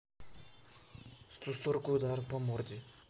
сто сорок удар по морде